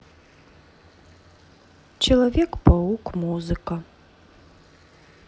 человек паук музыка